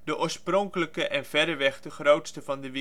oorspronkelijke en verreweg de grootste van de